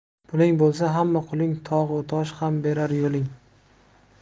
puling bo'lsa hamma quling tog' u tosh ham berar yo'ling